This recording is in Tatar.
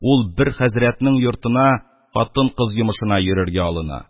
Ул бер хәзрәтнең йортына хатын-кыз йомышына йөрергә алына